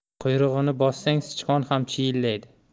quyrug'ini bossang sichqon ham chiyillaydi